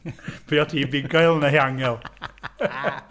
Be o't ti, bugail neu angel? .